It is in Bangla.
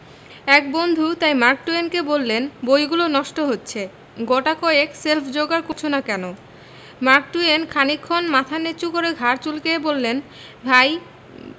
এক বন্ধু তাই মার্ক টুয়েনকে বললেন বইগুলো নষ্ট হচ্ছে গোটাকয়েক শেল্ফ যোগাড় করছ না কেন মার্ক টুয়েন খানিকক্ষণ মাথা নিচু করে ঘাড় চুলকে বললেন ভাই